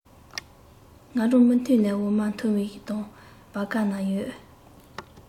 ང རང མུ མཐུད ནས འོ མ འཐུང བའི དང བ ག ན ཡོད